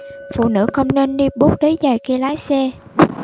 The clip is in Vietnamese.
phụ nữ không nên đi bốt đế dày khi lái xe